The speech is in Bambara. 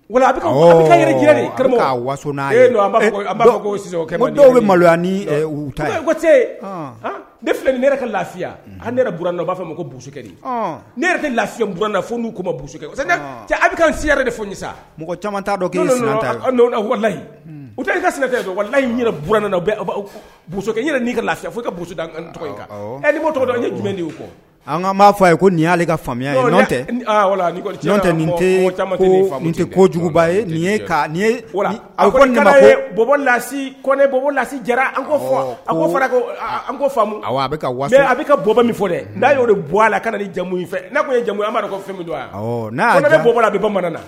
Wa a bɛ waso n e dɔw bɛ malo se ne filɛ ni ne yɛrɛ ka lafiya ne bna b'a fɔ ma kokɛ ne yɛrɛ tɛ lafiyɛn buran na fo n ma a bɛ si yɛrɛ de sa mɔgɔ caman dɔnlayi u i ka sinalayi bkɛ ni ka lafi fo ka tɔgɔ tɔgɔ an ye jumɛn kɔ an' f fɔ a ye ko nin y'ale ka kojuguba yela kɔnɛ bɔla ko a fɔra ko a a bɛ ka bɔba min fɔ dɛ n' y' de bɔ a la ka jamumu fɛ ne ko ye jamu' ko fɛn don bɔla a bɛ bamanan na